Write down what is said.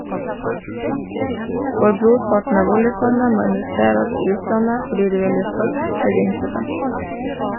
For brorparten av oljefondet må investerast i utlandet fordi det vil gje størst tryggingseffekt.